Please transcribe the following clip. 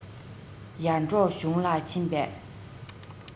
ཡར འབྲོག གཞུང ལ ཕྱིན པས